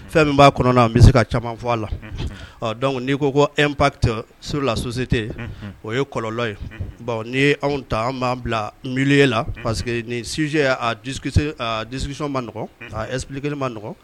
Fɛn min b'a kɔnɔna n bɛ se ka caaman fɔ a la, unhun, donc n'i ko ko impact sur la société unhun ,o ye kɔlɔnlɔ ye bɔn n'i ye anw ta anw b'an bila milieu la parce que nin sujet discussion ma n ɔgɔn a explique li ma nɔgɔn.